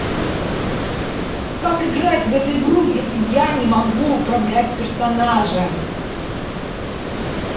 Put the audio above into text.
как играть в эту игру если я не могу управлять персонажем